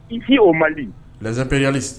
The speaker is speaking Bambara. Ifin oo mali pyali